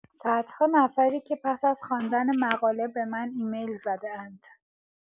صدها نفری که پس از خواندن مقاله به من ایمیل زده‌اند.